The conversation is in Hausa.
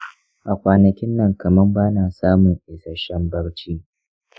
a kwanakin nan, kamar ba na samun isasshen barci.